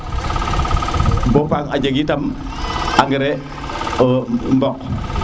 bo tam a jeg i tam engais mbonk